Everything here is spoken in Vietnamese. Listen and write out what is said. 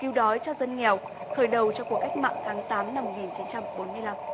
cứu đói cho dân nghèo khởi đầu cho cuộc cách mạng tháng tám năm một nghìn chín trăm bốn mươi lăm